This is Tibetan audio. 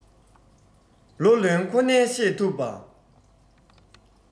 ལོ ལོན ཁོ ནའི ཤེས ཐུབ པས